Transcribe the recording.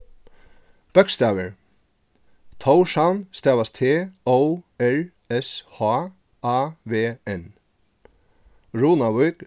bókstavir tórshavn stavast t ó r s h a v n runavík